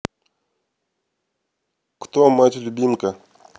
кто мать любимка